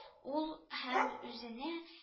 Ул һәм үзенә